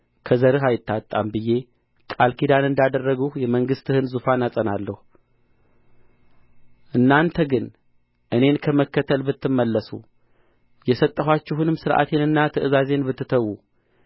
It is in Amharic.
ከዘርህ አይታጣም ብዬ ቃል ኪዳን እንዳደረግሁ የመንግሥትህን ዙፋን አጸናለሁ እናንተ ግን እኔን ከመከተል ብትመለሱ የሰጠኋችሁንም ሥርዓቴንና ትእዛዜን ብትተዉ